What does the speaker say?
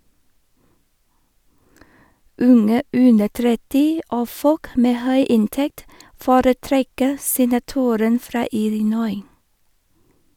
Unge under 30 og folk med høy inntekt foretrekker senatoren fra Illinois.